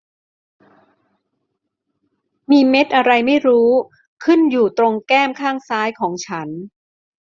มีเม็ดอะไรไม่รู้ขึ้นอยู่ตรงแก้มข้างซ้ายของฉัน